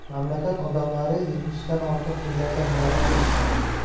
mamlakat odamlari yetmishdan ortiq tillarda muloqot qilishadi